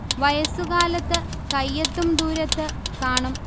വയസുകാലത്ത് കയ്യെത്തും ദൂരത്ത് കാണും